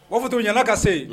O fɔ tun u ɲɛnaana ka se